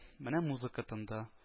Менә музыка тынды